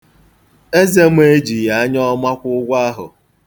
Ezema ejighi anyọọma kwụ ụgwọ ahụ.